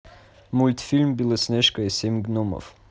мультфильм белоснежка и семь гномов